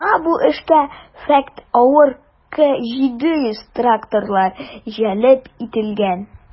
Шуңа бу эшкә фәкать авыр К-700 тракторлары җәлеп ителгән.